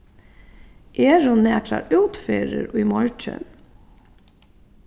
eru nakrar útferðir í morgin